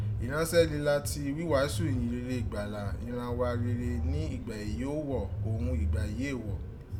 Iranse lílá ti wiwaasu iyinrire igbala iran wa rèé nẹ́ ni ùgbà èyí ó wọ̀ òghun ùgbà èyí éè wọ̀.